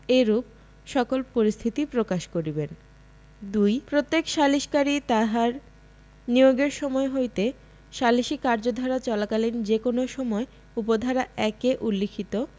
এইরূপ সকল পরিস্থিতি প্রকাশ করিবেন ২ প্রত্যেক সালিসকারী তাহার নিয়োগের সময় হইতে সালিসী কার্যধারা চলাকালীন যে কোন সময় উপ ধারা ১ এ উল্লেখিত